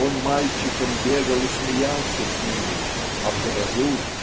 он мальчиком бегал и смеялся с ними а в грозу